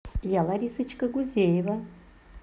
я ларисочка гузеева